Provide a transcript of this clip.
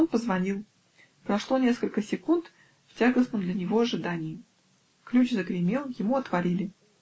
он позвонил, прошло несколько секунд в тягостном для него ожидании. Ключ загремел, ему отворили.